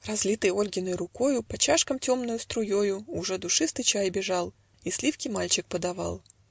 Разлитый Ольгиной рукою, По чашкам темною струею Уже душистый чай бежал, И сливки мальчик подавал